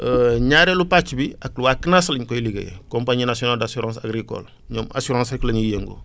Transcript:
ñaareelu pàcc bi ak waa CNAAS lañ koy liggéeyal compagnie nationale d' assurance agricole ñoom assurance rek la ñuy yëngu